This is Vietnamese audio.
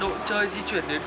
đội chơi di chuyển đến